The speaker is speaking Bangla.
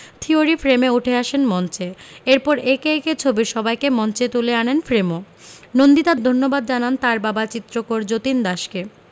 থিয়েরি ফ্রেমে উঠে আসেন মঞ্চে এরপর একে একে ছবির সবাইকে মঞ্চে তুলে আনেন ফ্রেমো নন্দিতা ধন্যবাদ জানান তার বাবা চিত্রকর যতীন দাসকে